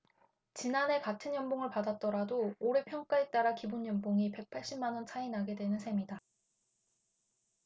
지난해 같은 연봉을 받았더라도 올해 평가에 따라 기본연봉이 백 팔십 만원 차이 나게 되는 셈이다